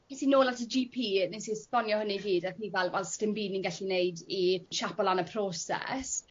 es i nôl at y Gee Pee nes i esbonio hynny i gyd ac o'dd 'i fel wel sdim byd ni'n gallu neud i shapo lan y proses.